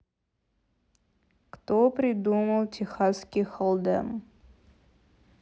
кто придумал техасский холдем